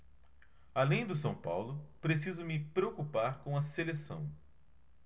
além do são paulo preciso me preocupar com a seleção